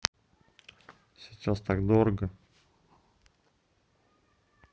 сейчас так дорого